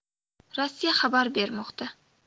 rossiya xabar bermoqda